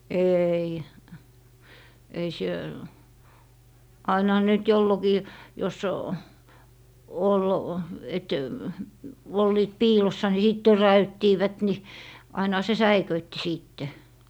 ei ei - ainahan ne nyt jolloinkin jos oli että olivat piilossa niin sitten töräyttivät niin ainahan se säikäytti sitten